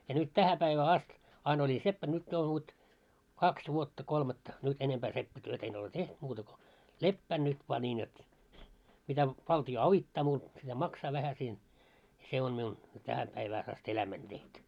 ja nyt tähän päivään asti aina oli seppänä nyt jo vot kaksi vuotta kolmatta nyt enempää seppätyötä en ole tehnyt muuta kuin lepään nyt vain niin jotta mitä valtio auttaa muuta mitä maksaa vähän siinä se on minun tähän päivään asti elämäni tehty